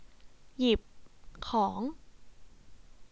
หยิบของ